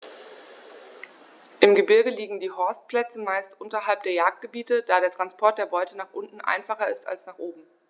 Im Gebirge liegen die Horstplätze meist unterhalb der Jagdgebiete, da der Transport der Beute nach unten einfacher ist als nach oben.